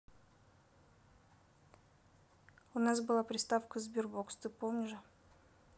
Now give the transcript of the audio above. у нас была приставка sberbox ты же помнишь